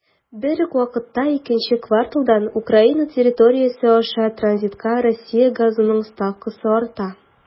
Бер үк вакытта икенче кварталдан Украина территориясе аша транзитка Россия газының ставкасы арта.